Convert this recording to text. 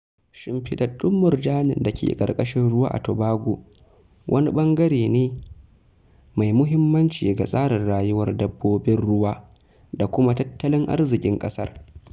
Shimfiɗaɗɗun murjanin da ke ƙarƙashin ruwa a Tobago wani ɓangare ne mai muhimmanci ga tsarin rayuwar dabbobin ruwa da kuma tattalin arziƙin ƙasar.